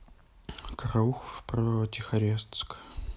караухов про тихорецк